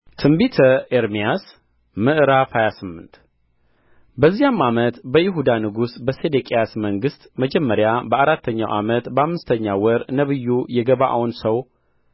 ትንቢተ ኤርምያስ ምዕራፍ ሃያ ስምንት በዚያም ዓመት በይሁዳ ንጉሥ በሴዴቅያስ መንግሥት መጀመሪያ በአራተኛው ዓመት በአምስተኛው ወር ነቢዩ የገባዖን ሰው